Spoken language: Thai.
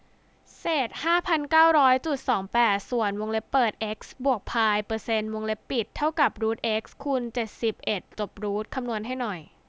เศษห้าพันเก้าร้อยจุดสองแปดส่วนวงเล็บเปิดเอ็กซ์บวกพายเปอร์เซ็นต์วงเล็บปิดเท่ากับรูทเอ็กซ์คูณเจ็ดสิบเอ็ดจบรูทคำนวณให้หน่อย